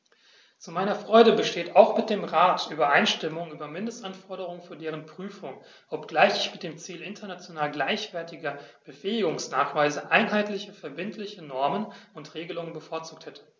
Zu meiner Freude besteht auch mit dem Rat Übereinstimmung über Mindestanforderungen für deren Prüfung, obgleich ich mit dem Ziel international gleichwertiger Befähigungsnachweise einheitliche verbindliche Normen und Regelungen bevorzugt hätte.